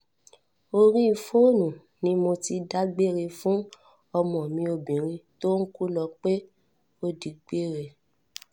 Orí fóònù ni mo ti dágbére fún ọmọ mi obìnrin tó ń kú lo pé ó digbére.